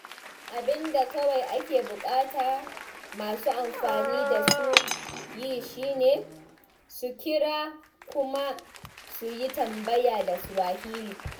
Abin da kawai ake buƙatar masu amfani su yi shi ne, su kira kuma su yi tambaya da Swahili.